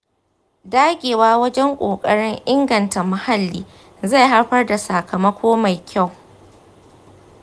dagewa wajen ƙoƙarin inganta muhalli zai haifar da sakamako mai kyau.